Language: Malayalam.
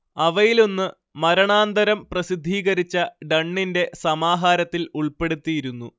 അവയിലൊന്ന് മരണാന്തരം പ്രസിദ്ധീകരിച്ച ഡണ്ണിന്റെ സമഹാരത്തിൽ ഉൾപ്പെടുത്തിയിരുന്നു